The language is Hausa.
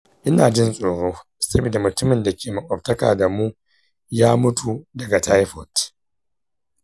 ina jin tsoro saboda mutumin da ke makwabtaka da mu ya mutu daga taifoid.